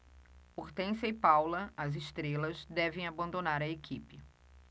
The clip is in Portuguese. hortência e paula as estrelas devem abandonar a equipe